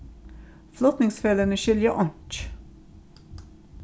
flutningsfeløgini skilja einki